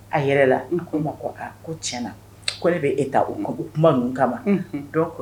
A yɛlɛla, unhun, a ko n ma ko tiɲɛna ko ale bɛ e ta o kuma ninnu kama, unhun ! donc